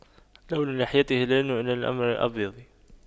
لون لحيته يلون أبيض